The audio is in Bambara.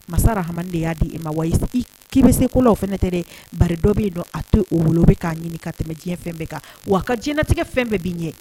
Masara hadama de y'a di e ma wa i kii bɛ se kolaw fɛ tɛ dɛ ba dɔ bɛ yen don a to o bolo bɛ k'a ɲini ka tɛmɛ diɲɛfɛn bɛɛ kan wa ka diɲɛinɛtigɛ fɛn bɛɛ bɛ'i ɲɛ